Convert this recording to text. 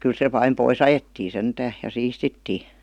kyllä se aina pois ajettiin sentään ja siistittiin